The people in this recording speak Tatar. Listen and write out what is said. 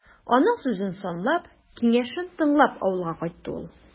Аның сүзен санлап, киңәшен тыңлап, авылга кайтты ул.